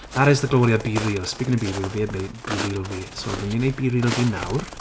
That is the glory of BeReal. Speaking of BeReal fi heb wneud BeReal fi. So fi'n mynd i wneud BeReal fi nawr.